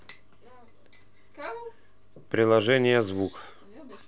приложение звук